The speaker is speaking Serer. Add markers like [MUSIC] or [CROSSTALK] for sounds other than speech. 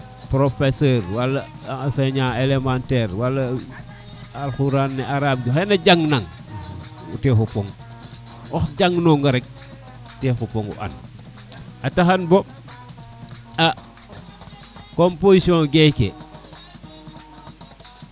[MUSIC] professeur wala enseignant élémentaire wala alxuraan ne arabe ne oxe na jang nana te xupong oxu jang nonga rek te xupongo an a taxa bo a composision keke